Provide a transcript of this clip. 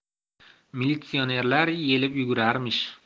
militsionerlar yelib yugurarmish